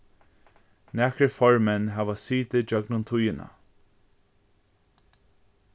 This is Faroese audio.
nakrir formenn hava sitið gjøgnum tíðina